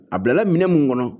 A bilala minɛ mun ŋɔnɔ